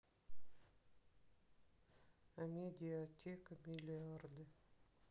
амедиатека миллиарды